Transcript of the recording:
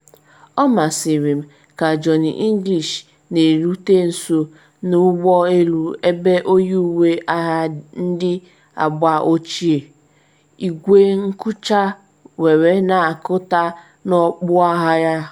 Ọ masịrị m ka Johnny English na-erute nso n’ụgbọ elu ebe oyi uwe agha ndị agba ochie, igwe nkucha were na-akụta n’okpu agha ya.